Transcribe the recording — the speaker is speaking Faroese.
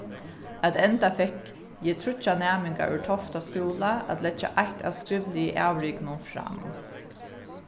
at enda fekk eg tríggjar næmingar úr tofta skúla at leggja eitt av skrivligu avrikunum fram